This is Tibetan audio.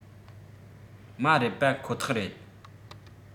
མ རེད པ ཁོ ཐག རེད